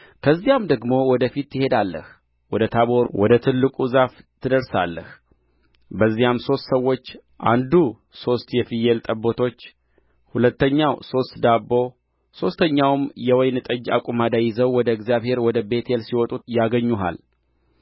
ከዚያም ደግሞ ወደ ፊት ትሄዳለህ ወደ ታቦር ወደ ትልቁ ዛፍ ትደርሳለህ በዚያም ሦስት ሰዎች አንዱ ሦስት ሰዎች አንዱ ሦስት የፍየል ጠቦቶች ሁለተኛው ሦስት ዳቦ ሦስተኛውም የወይን ጠጅ አቁማዳ ይዘው ወደ እግዚአብሔር ወደ ቤቴል ሲወጡ ያገኙሃል